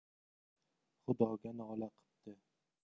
xudoga nola qipti